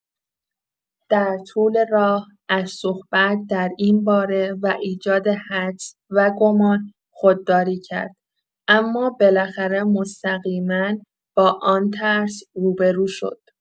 در طول راه از صحبت در این باره و ایجاد حدس و گمان خودداری کرد، اما بالاخره مستقیما با آن ترس روبه‌رو شد.